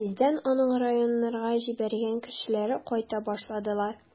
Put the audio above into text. Тиздән аның районнарга җибәргән кешеләре кайта башладылар.